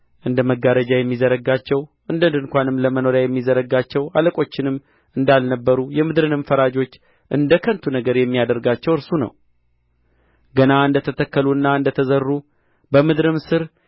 እንደ መጋረጃ የሚዘረጋቸው እንደ ድንኳንም ለመኖርያ የሚዘረጋቸው አለቆችንም እንዳልነበሩ የምድርንም ፈራጆች እንደ ከንቱ ነገር የሚያደርጋቸው እርሱ ነው